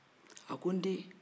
a ko n den